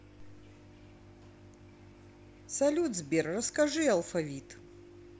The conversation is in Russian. салют сбер расскажи алфавит